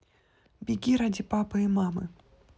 беги ради папы и мамы